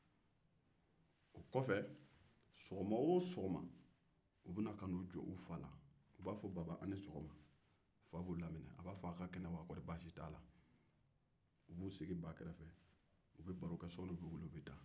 o kɔfɛ u bɛ n'u jɔ u fa la sɔgɔma o sɔgɔma u b'a fɔ baba i ni sɔgɔma fa b'u laminɛ a b'a fo aw ka kɛnɛ wa u b'u sigi baa kɛrɛfɛ u bɛ baro ke sɔɔni u bɛ taa